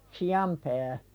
sian pää